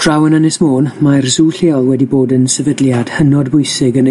Draw yn Ynys Môn, mae'r sw lleol wedi bod yn sefydliad hynod bwysig yn y